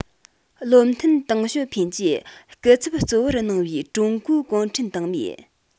བློ མཐུན ཏེང ཞའོ ཕིན གྱིས སྐུ ཚབ གཙོ བོར གནང བའི ཀྲུང གོའི གུང ཁྲན ཏང མིས